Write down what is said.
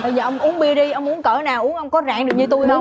bây giờ ông uống bia đi ông uống cỡ nào uống ông có rạn được như tui hông